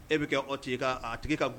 E bɛ kɛ ɔti ye ka a tigi ka